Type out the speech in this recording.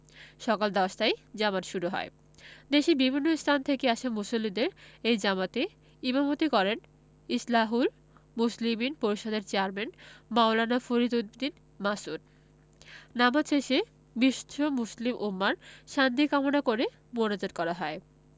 সকাল ১০টায় জামাত শুরু হয় দেশের বিভিন্ন স্থান থেকে আসা মুসল্লিদের এই জামাতে ইমামতি করেন ইসলাহুল মুসলিমিন পরিষদের চেয়ারম্যান মাওলানা ফরিদ উদ্দীন মাসউদ নামাজ শেষে বিশ্ব মুসলিম উম্মাহর শান্তি কামনা করে মোনাজাত করা হয়